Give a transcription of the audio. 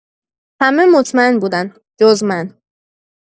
همه مطمئن بودن؛ جز من.